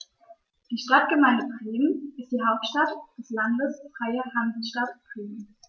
Die Stadtgemeinde Bremen ist die Hauptstadt des Landes Freie Hansestadt Bremen.